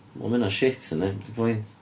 Wel ma' hynna'n shit yndi. Be 'di pwynt?